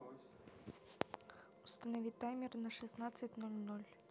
установи таймер на шестнадцать ноль ноль